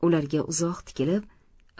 ularga uzoq tikilib